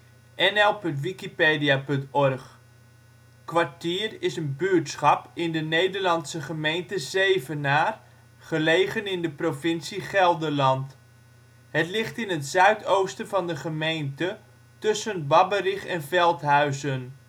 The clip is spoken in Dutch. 51° 54 ' NB, 6° 08 ' OL Kwartier Plaats in Nederland Situering Provincie Gelderland Gemeente Zevenaar Coördinaten 51° 54′ NB, 6° 8′ OL Portaal Nederland Beluister (info) Kwartier is een buurtschap in de Nederlandse gemeente Zevenaar, gelegen in de provincie Gelderland. Het ligt in het zuidoosten van de gemeente tussen Babberich en Veldhuizen